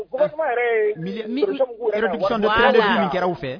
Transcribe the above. Gouvernement yɛrɛ ye pression mun ku kan wari ko la voilà